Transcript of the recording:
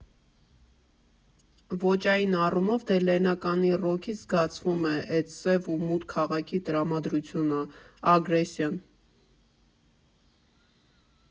Ոճային առումով, դե Լեննագանի ռոքից զգացվում է էտ սև ու մութ քաղաքի տրամադրությունը, ագրեսիան։